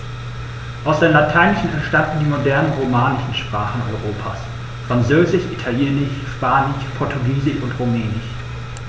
Aus dem Lateinischen entstanden die modernen „romanischen“ Sprachen Europas: Französisch, Italienisch, Spanisch, Portugiesisch und Rumänisch.